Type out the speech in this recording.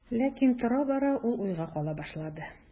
Ләкин тора-бара ул уйга кала башлады.